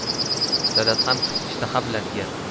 dadasi ham ishtaha bilan yerdi